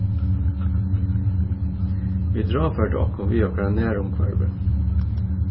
vit ráðførdu okkum við okkara nærumhvørvi